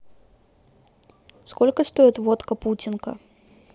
сколько стоит водка путинка